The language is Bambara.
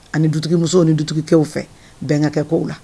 Ani du musow ni dukɛ fɛ bɛn ka kɛ'w la